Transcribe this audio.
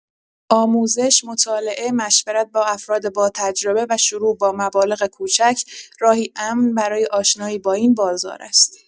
آموزش، مطالعه، مشورت با افراد باتجربه و شروع با مبالغ کوچک راهی امن برای آشنایی با این بازار است.